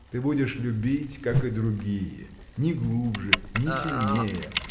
– Ты будешь любить, как и другие, ни глубже, ни сильнее